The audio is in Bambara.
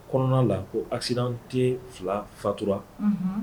Kɔnɔna la ko a siran tɛ fila fatura